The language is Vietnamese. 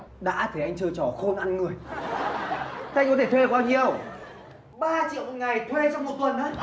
đã thế anh chơi trò khôn ăn người thế anh có thể thuê được bao nhiêu ba triệu một ngày thuê trong một tuần á